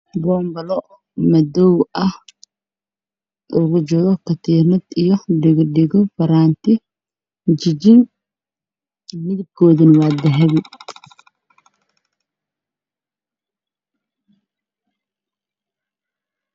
Boombalo midabkiisii yahay madow katiin midabkiisu yahay dahabi